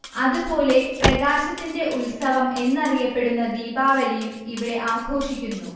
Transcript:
അതു പോലെ പ്രകാശത്തിന്റെ ഉത്സവം എന്നറിയപ്പെടുന്ന ദീപാവലിയും ഇവിടെ ആഘോഷിക്കുന്നു